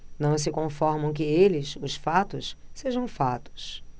não se conformam que eles os fatos sejam fatos